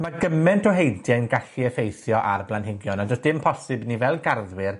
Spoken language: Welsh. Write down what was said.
Ma' gyment o heintie'n gallu effeithio ar blanhigion, a do's dim posib i ni fel garddwyr,